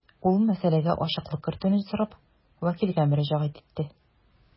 Ул мәсьәләгә ачыклык кертүне сорап вәкилгә мөрәҗәгать итте.